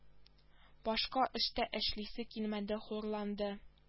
Башка эштә эшлисе килмәде хурланды